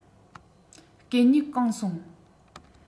གད སྙིགས གང སོང